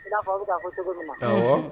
N'a aw bɛ taa fɔ cogo ma